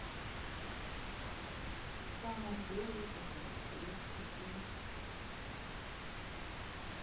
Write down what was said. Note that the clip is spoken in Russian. honor девять а характеристики